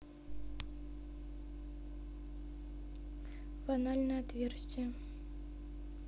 в анальное отверстие